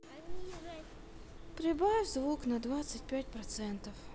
прибавь звук на двадцать пять процентов